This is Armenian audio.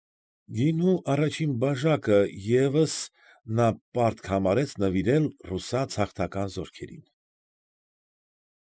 Գինու առաջին բաժակը ևս նա պարտք համարեց նվիրել ռուսաց հաղթական զորքերին։ ֊